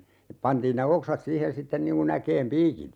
pantiin ne oksat siihen sitten niin kuin äkeen piikit